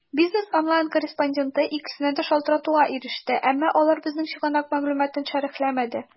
"бизнес online" корреспонденты икесенә дә шалтыратуга иреште, әмма алар безнең чыганак мәгълүматын шәрехләмәде.